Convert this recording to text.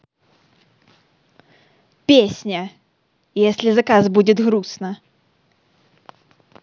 песня если заказ будет грустно